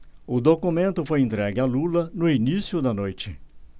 o documento foi entregue a lula no início da noite